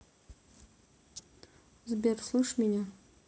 сбер слышишь меня